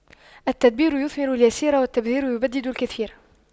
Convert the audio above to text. التدبير يثمر اليسير والتبذير يبدد الكثير